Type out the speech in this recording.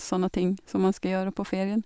Sånne ting som man skal gjøre på ferien.